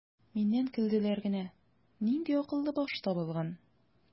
Миннән көлделәр генә: "Нинди акыллы баш табылган!"